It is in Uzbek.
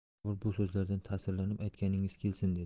bobur bu so'zlardan tasirlanib aytganingiz kelsin dedi